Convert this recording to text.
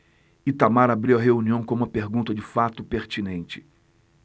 itamar abriu a reunião com uma pergunta de fato pertinente